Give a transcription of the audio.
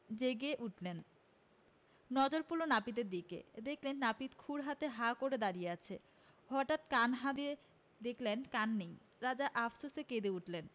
জেগে উঠলেন নজর পড়ল নাপিতের দিকে দেখলেন নাপিত ক্ষুর হাতে হাঁ করে দাড়িয়ে আছে হঠাৎ কানে হাত দিয়ে দেখলেন কান নেই রাজা আপসোসে কেঁদে উঠলেন